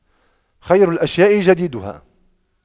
خير الأشياء جديدها